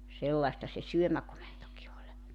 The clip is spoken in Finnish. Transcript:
sellaista se syömäkomentokin oli